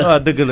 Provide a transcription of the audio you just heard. waaw dëgg la